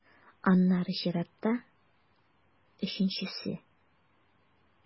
Аннары чиратта - өченчесе.